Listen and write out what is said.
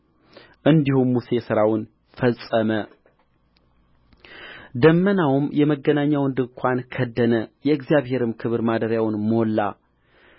እንዲሁም ሙሴ ሥራውን ፈጸመ ደመናውም የመገናኛውን ድንኳን ከደነ የእግዚአብሔርም ክብር ማደሪያውን ሞላ